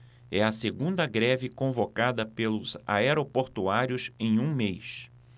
é a segunda greve convocada pelos aeroportuários em um mês